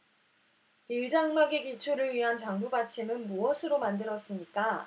일 장막의 기초를 위한 장부 받침은 무엇으로 만들었습니까